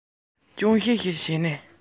དཔེ ཆ ཁ བརྒྱབ པ དང ལག པ